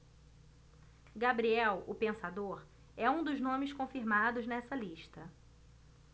gabriel o pensador é um dos nomes confirmados nesta lista